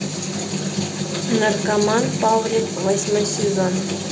наркоман павлик восьмой сезон